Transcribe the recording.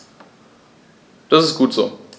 Das ist gut so.